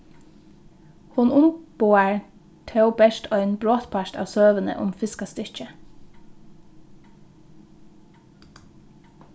hon umboðar tó bert ein brotpart av søguni um fiskastykkið